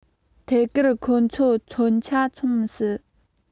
ཐད ཀར ཁོ ཚོས མཚོན ཆ འཚོང མི སྲིད